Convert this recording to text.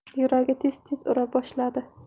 yuragi tez tez ura boshladi